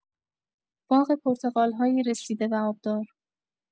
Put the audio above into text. باغ پرتقال‌های رسیده و آبدار